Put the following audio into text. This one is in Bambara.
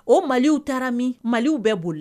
O maliw taara min maliw bɛɛ boli la